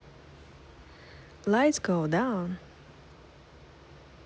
lights go down